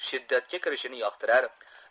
shiddatga kirishini yoqtirar